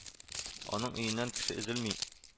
Аның өеннән кеше өзелми